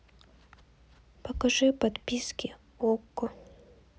покажи подписки окко